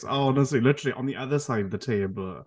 Honestly, literally, on the other side of the table.